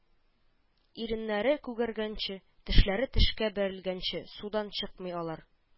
Иреннәре күгәргәнче, тешләре тешкә бәрелгәнче судан чыкмый алар